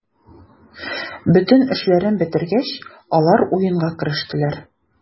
Бөтен эшләрен бетергәч, алар уенга керештеләр.